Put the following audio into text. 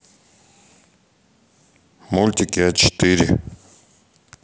мультики а четыре